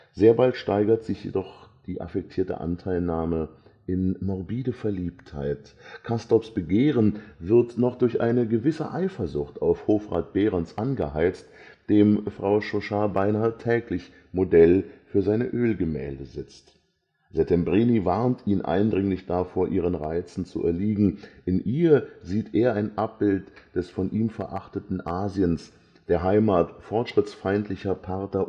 Sehr bald steigert sich jedoch die affektierte Anteilnahme in morbide Verliebtheit. Castorps Begehren wird noch durch eine gewisse Eifersucht auf Hofrat Behrens angeheizt, dem Frau Chauchat „ beinahe täglich “Modell für seine Ölgemälde sitzt. Settembrini warnt ihn eindringlich davor, ihren Reizen zu erliegen. In ihr sieht er ein Abbild des von ihm verachteten Asiens, der Heimat fortschrittsfeindlicher „ Parther